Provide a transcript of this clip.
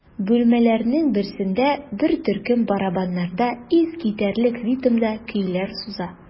Бүлмәләрнең берсендә бер төркем барабаннарда искитәрлек ритмда көйләр суза.